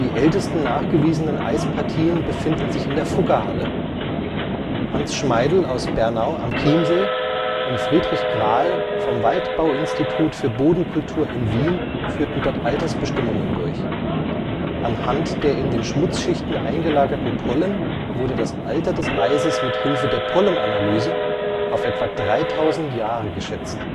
ältesten nachgewiesenen Eispartien befinden sich in der Fuggerhalle. Hans Schmeidl aus Bernau am Chiemsee und Friedrich Kral vom Waldbauinstitut für Bodenkultur in Wien führten dort Altersbestimmungen durch. Anhand der in den Schmutzschichten eingelagerten Pollen wurde das Alter des Eises mit Hilfe der Pollenanalyse auf etwa 3000 Jahre geschätzt